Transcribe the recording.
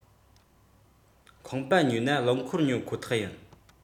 ཁང པ ཉོས ན རླངས འཁོར ཉོ ཁོ ཐག ཡིན